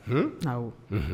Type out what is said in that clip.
N'a yeo